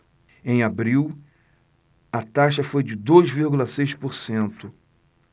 em abril a taxa foi de dois vírgula seis por cento